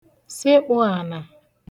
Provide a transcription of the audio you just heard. sekpù ànà